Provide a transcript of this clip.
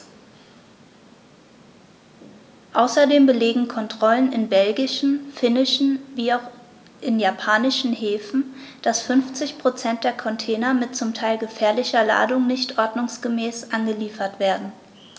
Außerdem belegen Kontrollen in belgischen, finnischen wie auch in japanischen Häfen, dass 50 % der Container mit zum Teil gefährlicher Ladung nicht ordnungsgemäß angeliefert werden.